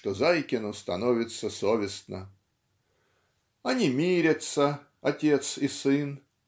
что Зайкину становится совестно". Они мирятся, отец и сын